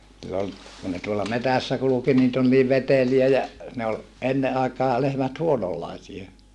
kun ne tuolla metsässä kulki niitä oli niin veteliä ja ne oli ennen aikaa lehmät huononlaisia